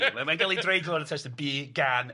Mae'n mae'n gael ei dreiglo ar y testun, bu gan